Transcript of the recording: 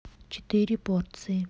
четыре порции